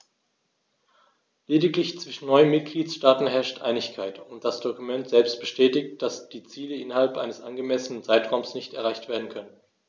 Lediglich zwischen neun Mitgliedsstaaten herrscht Einigkeit, und das Dokument selbst bestätigt, dass die Ziele innerhalb eines angemessenen Zeitraums nicht erreicht werden können.